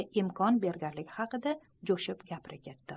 imkon berganligi haqida jo'shib gapira ketdi